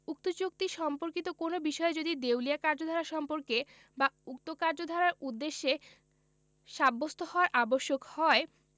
উক্ত চুক্তি সম্পর্কিত কোন বিষয়ে যদি দেউলিয়া কার্যধারা সম্পর্কে বা উক্ত কার্যধারার উদ্দেশ্যে সাব্যস্ত হওয়া আবশ্যক হয়